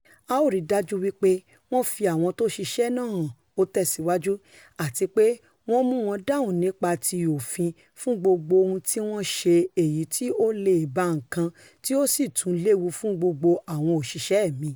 A ó ríi dájú wí pé wọn fi àwọn tóṣiṣẹ́ náà hàn,'' ó tẹ̀síwájú, ''àtipe wọ́n mú wọn dáhùn nípa ti òfin fún gbogbo ohun tíwọ́n ṣe èyití o leè ba nǹkan tí ò sì tún léwu fún gbogbo àwọn òṣìṣẹ́ mi.''